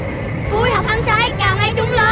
vui học hăng say cào ngay trúng lớn